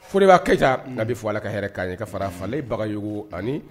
Foli b'akɛ ca ka bi fɔ ala ka hɛrɛ'a ɲɛ ka fara faga bagaugu ani